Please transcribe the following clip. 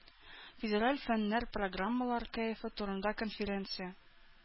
Федераль фэннэр программалар кәефе турында конференция.